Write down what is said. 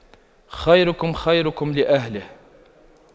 خيركم خيركم لأهله